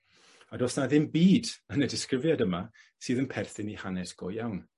A do's 'na ddim byd yn y disgrifiad yma sydd yn perthyn i hanes go iawn.